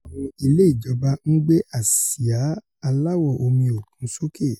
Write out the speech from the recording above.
Àwọn ilé ìjọba ńgbé àsìá aláwọ omi òkun sókê.